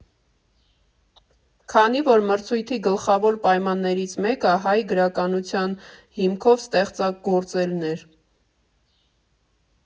Քանի որ մրցույթի գլխավոր պայմաններից մեկը հայ գրականության հիմքով ստեղծագործելն էր։